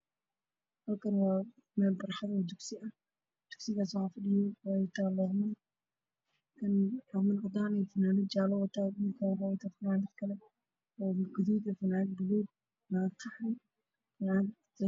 Halkaan waa meel barxad ah oo dugsi ah waxaa fadhiyo wiilal. Mid waxuu wataa looxman, fanaanad cadaan ah iyo cimaamad jaale ah, wiil kale waxuu wataa fanaanad gaduud ah iyo fanaanad qaxwi.